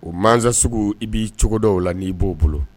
O mansa sugu i b'i cogo dɔn o la n'i b'o bolo